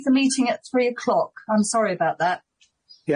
to leave the meeting at three o' clock, I'm sorry about that.